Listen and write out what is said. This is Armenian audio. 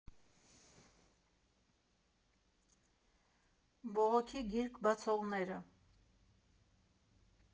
Բողոքի գիրք բացողները։